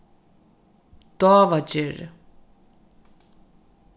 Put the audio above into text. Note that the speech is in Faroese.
dávagerði